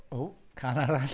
W cân arall.